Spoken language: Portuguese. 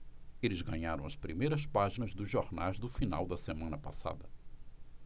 eles ganharam as primeiras páginas dos jornais do final da semana passada